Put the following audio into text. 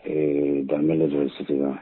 Ee Danbele don Sotiba